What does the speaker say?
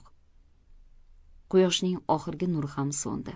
quyoshning oxirgi nuri ham so'ndi